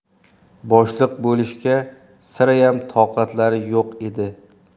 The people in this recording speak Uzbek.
boshliq bo'lishga sirayam toqatlari yo'q edi